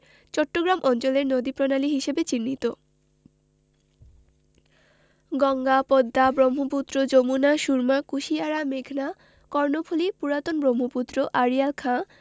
চট্টগ্রাম অঞ্চলের নদীপ্রণালী হিসেবে চিহ্নিত গঙ্গা পদ্মা ব্রহ্মপুত্র যমুনা সুরমা কুশিয়ারা মেঘনা কর্ণফুলি পুরাতন ব্রহ্মপুত্র আড়িয়াল খাঁ